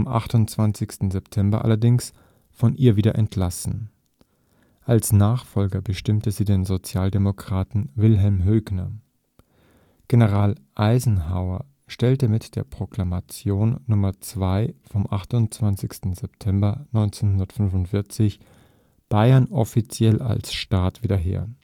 28. September allerdings von ihr wieder entlassen. Als Nachfolger bestimmte sie den Sozialdemokraten Wilhelm Hoegner. General Eisenhower stellte mit der Proklamation Nummer 2 vom 28. September 1945 Bayern offiziell als Staat wieder her